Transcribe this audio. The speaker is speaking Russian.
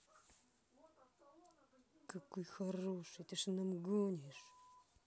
какой хороший ты что нам гонишь